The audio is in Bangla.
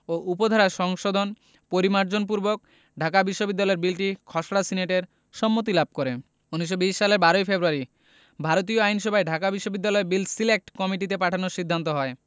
ও উপধারা সংশোধন পরিমার্জন পূর্বক ঢাকা বিশ্ববিদ্যালয় বিলটির খসড়া সিনেটের সম্মতি লাভ করে ১৯২০ সালের ১২ ফেব্রুয়ারি ভারতীয় আইনসভায় ঢাকা বিশ্ববিদ্যালয় বিল সিলেক্ট কমিটিতে পাঠানোর সিদ্ধান্ত হয়